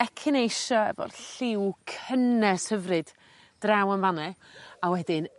echinacea efo'r lliw cynnes hyfryd draw yn fan 'ne a wedyn